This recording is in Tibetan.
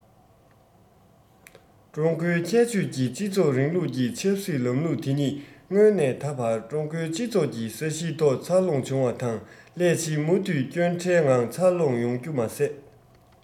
ཀྲུང གོའི ཁྱད ཆོས ཀྱི སྤྱི ཚོགས རིང ལུགས ཀྱི ཆབ སྲིད ལམ ལུགས དེ ཉིད སྔོན ནས ད བར ཀྲུང གོའི སྤྱི ཚོགས ཀྱི ས གཞིའི ཐོག འཚར ལོངས བྱུང བ དང སླད ཕྱིན མུ མཐུད སྐྱོན བྲལ ངང འཚར ལོངས ཡོང རྒྱུ མ ཟད